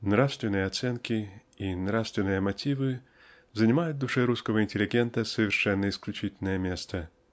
нравственные оценки и нравственные мотивы занимают в душе русского интеллигента совершенно исключительное место.